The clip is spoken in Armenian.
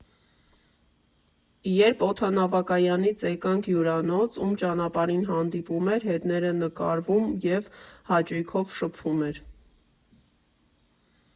Երբ օդանավակայանից եկանք հյուրանոց, ում ճանապարհին հանդիպում էր, հետները նկարվում և հաճույքով շփվում էր։